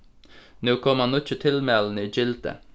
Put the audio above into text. nú koma nýggju tilmælini í gildi